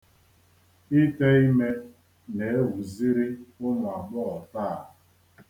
Ite ime na-ewuziri ụmụ agbọghọ taa.